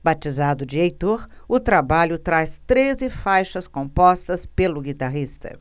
batizado de heitor o trabalho traz treze faixas compostas pelo guitarrista